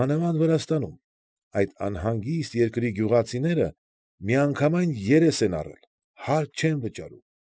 Մանավանդ Վրաստանում։ Այդ «անհանգիստ» երկրի գյուղացիները միանգամայն երես են առել, հարկ չեն վճարում։